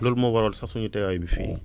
loolu moo waral sax suñu teewaay bi fii